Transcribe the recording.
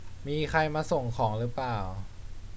มีใครมาส่งของรึเปล่า